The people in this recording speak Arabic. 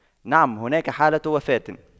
نعم هناك حالة وفاة